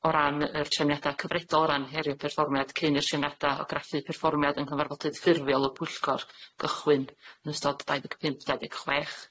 o ran yr trefniada cyfredol o ran herio perfformiad cyn i'r trefniada o graffu perfformiad yng nghyfarfodydd ffurfiol y pwyllgor gychwyn yn ystod dau ddeg pump, dau deg chwech.